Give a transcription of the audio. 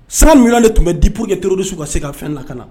50 millions de tun bɛ di pour que terroriste ka se ka fɛn lakana.